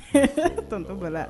Ɛɛ tonto bala